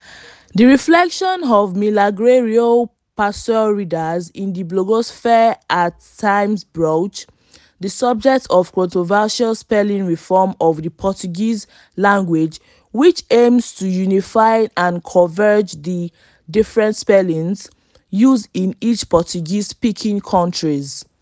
The reflections of Milagrário Pessoal‘s readers in the blogosphere at times broach the subject of the controversial Spelling Reform of the Portuguese language, which aims to unify and converge the different spellings used in each Portuguese-speaking country.